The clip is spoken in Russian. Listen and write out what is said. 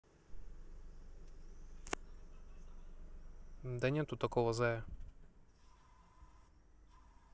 да нету такого зая